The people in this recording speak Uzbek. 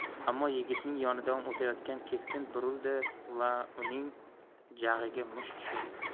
ammo yigitning yonidan o'tayotganida keskin burildi da uning jag'iga musht tushirdi